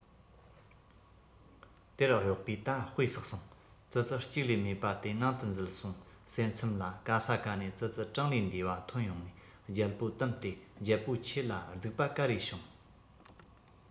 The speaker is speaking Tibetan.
དེར གཡོག པོས ད དཔེ བསགས སོང ཙི ཙི གཅིག ལས མེད པ དེ ནང དུ འཛུལ སོང ཟེར མཚམས ལ ག ས ག ནས ཙི ཙི གྲངས ལས འདས པ ཐོན ཡོང ནས རྒྱལ པོ བཏུམས ཏེ རྒྱལ པོ ཁྱེད ལ སྡུག པ ག རེ བྱུང